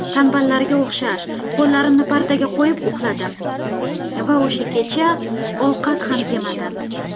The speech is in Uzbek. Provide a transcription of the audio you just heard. tanballarga o'xshab qo'llarimni partaga qo'yib uxladim va o'sha kecha ovqat ham yemadim